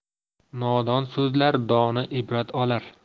nodon so'zlar dono ibrat olar